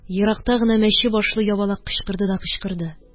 Еракта гына мәче башлы ябалак кычкырды да кычкырды.